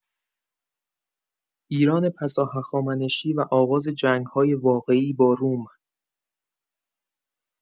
ایران پساهخامنشی و آغاز جنگ‌های واقعی با روم